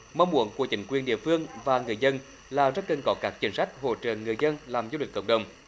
mong muốn của chính quyền địa phương và người dân là rất cần có các chính sách hỗ trợ người dân làm du lịch cộng đồng